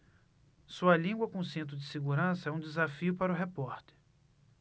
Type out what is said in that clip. sua língua com cinto de segurança é um desafio para o repórter